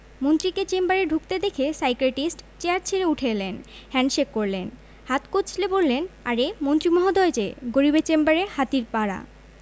মন্ত্রীকে চেম্বারে ঢুকতে দেখে সাইকিয়াট্রিস্ট চেয়ার ছেড়ে উঠে এলেন হ্যান্ডশেক করলেন হাত কচলে বললেন আরে মন্ত্রী মহোদয় যে গরিবের চেম্বারে হাতির পাড়া